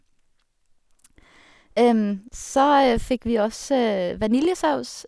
Så fikk vi også vaniljesaus.